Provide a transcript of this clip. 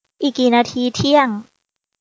อีกกี่นาทีเที่ยง